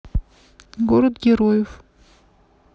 город героев